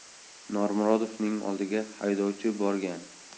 normurodovning oldiga haydovchi borgan